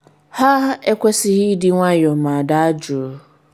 Ha kwesịrị ịdị nwayọọ ma daa jụụ.”